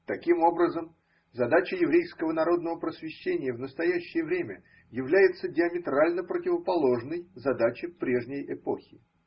Таким образом задача еврейского народного просвещения в настоящее время является диаметрально противоположной задаче прежней эпохи.